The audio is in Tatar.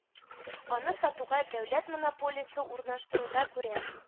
Аны сатуга дәүләт монополиясе урнаштыруда күрә.